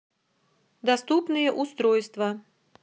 доступные устройства